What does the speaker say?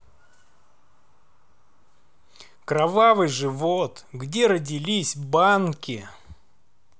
кровавый живот где родились банки